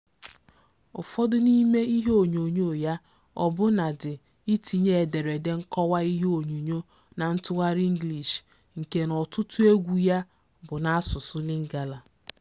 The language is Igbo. Ụfọdụ n'ime ihe onyonyo ya ọbụna dị itinye ederede nkọwa ihe onyonyo na ntụgharị English nke na ọtụtụ egwu ya bụ n'asụsụ Lingala.